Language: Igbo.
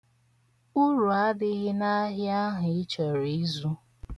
Uru adịghị n'ahịa ahụ ị chọrọ ịzụ.